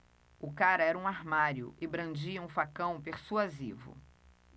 o cara era um armário e brandia um facão persuasivo